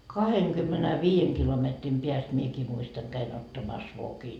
kahdenkymmenenviiden kilometrin päästä minäkin muistan kävin ottamassa vokin